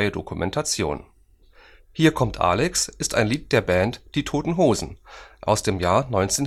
Dokumentation. Hier kommt Alex ist ein Lied der Band Die Toten Hosen aus dem Jahr 1988